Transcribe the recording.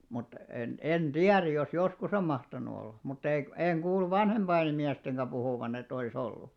mutta en en tiedä jos joskus on mahtanut olla mutta ei en kuullut vanhempien miestenkään puhuvan että olisi ollut